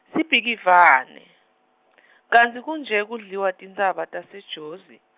Sibhikivane , kantsi kunje kudliwa tintsaba taseJozi?